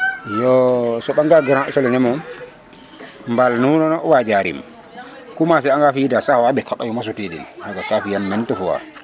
iyoo a soɓa nga grand so lene moom mbaal nu na waja rim commencer anga fi ida sax awa mbek xa ɓayum a sutidin ka fiyam mainte fois